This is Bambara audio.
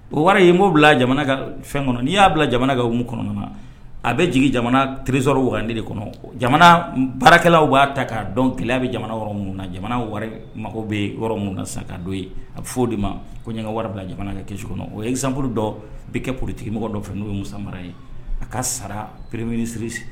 O wari ye' bila jamana ka fɛn kɔnɔ n'i y'a bila jamanakɛ mun kɔnɔna na a bɛ jigin jamana teriresɔrɔ warade de kɔnɔ jamana baarakɛlaw b'a ta ka'a dɔn ke bɛ jamana yɔrɔ min na jamana wari mago bɛ yɔrɔ minnu na sanka don ye a bɛ fɔ o de ma ko ka warabila jamana kɛ kesu kɔnɔ o yesabmuru dɔ bɛ kɛ politigimɔgɔ dɔ fɛ n'o ye musa mara ye a ka sara pere minisiririsi